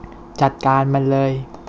จัดการมันเลย